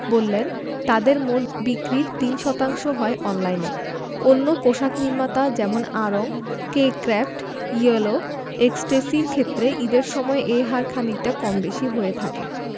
বললেন তাঁদের মোট বিক্রির ৩ শতাংশ হয় অনলাইনে অন্য পোশাক নির্মাতা যেমন আড়ং কে ক্র্যাফট ইয়েলো এক্সট্যাসির ক্ষেত্রে ঈদের সময় এ হার খানিকটা কম বেশি হয়ে থাকে